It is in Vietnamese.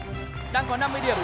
đang có năm mươi điểm